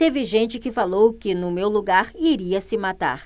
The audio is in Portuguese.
teve gente que falou que no meu lugar iria se matar